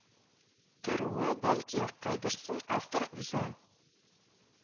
Торуы, бәлки кайберсен автор үзе